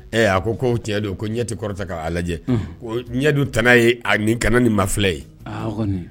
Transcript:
Ɛ a ko' tiɲɛ don ko ɲɛ tɛ kɔrɔta k'a lajɛ ko ɲɛdu t ye a ni kana ni ma filɛ ye